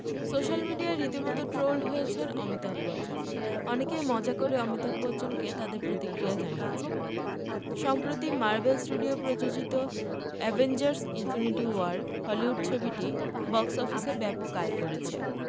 social মিডিয়ায় রীতিমতো trolled হয়েছেন অমিতাভ বচ্চন অনেকেই মজা করে অমিতাভ বচ্চনকে তাদের প্রতিক্রিয়া জানিয়েছেন সম্প্রতি মার্বেল স্টুডিয়ো প্রযোজিত অ্যাভেঞ্জার্স ইনফিনিটি ওয়ার হলিউড ছবিটি বক্স অফিসে ব্যাপক আয় করেছে